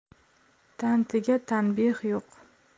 tantiga tanbeh yo'q